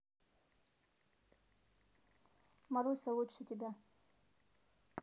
маруся лучше тебя